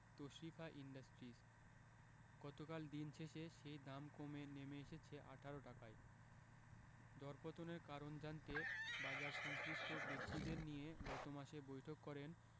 Tashrifa industries গতকাল দিন শেষে সেই দাম কমে নেমে এসেছে ১৮ টাকায় দরপতনের কারণ জানতে বাজারসংশ্লিষ্ট ব্যক্তিদের নিয়ে গত মাসে বৈঠক করেন